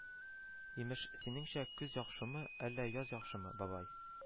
Имеш: “синеңчә, көз яхшымы, әллә яз яхшымы, бабай